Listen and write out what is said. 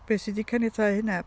Be sy 'di caniatáu hynna?